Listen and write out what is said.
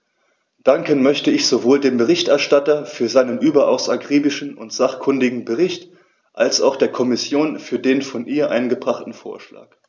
Danken möchte ich sowohl dem Berichterstatter für seinen überaus akribischen und sachkundigen Bericht als auch der Kommission für den von ihr eingebrachten Vorschlag.